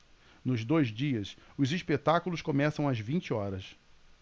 nos dois dias os espetáculos começam às vinte horas